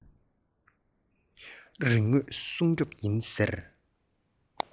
རིག དངོས སྲུང སྐྱོབ ཡིན ཟེར